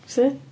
Sut?